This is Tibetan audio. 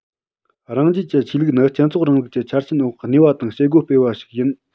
རང རྒྱལ གྱི ཆོས ལུགས ནི སྤྱི ཚོགས རིང ལུགས ཀྱི ཆ རྐྱེན འོག གནས པ དང བྱེད སྒོ སྤེལ བ ཞིག ཡིན